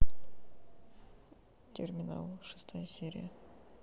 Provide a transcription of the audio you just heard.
терминал шестая серия